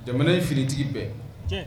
Jamana in finitigi bɛɛ